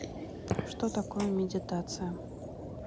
что такое медитация